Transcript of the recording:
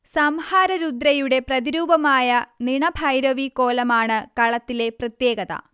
സംഹാര രുദ്രയുടെ പ്രതിരൂപമായ നിണഭൈരവി കോലമാണ് കളത്തിലെ പ്രത്യേകത